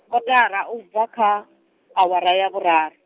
kotara ubva kha, awara ya vhuraru.